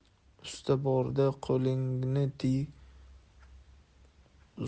usta borida qo'lingni